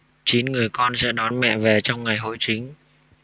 chín người con sẽ đón mẹ về trong ngày hội chính